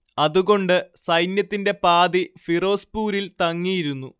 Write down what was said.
അതുകൊണ്ട് സൈന്യത്തിന്റെ പാതി ഫിറോസ്പൂരിൽ തങ്ങിയിരുന്നു